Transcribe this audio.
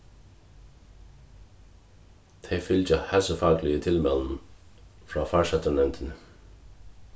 tey fylgja heilsufakligu tilmælunum frá farsóttarnevndini